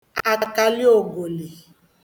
àkàlịògòlì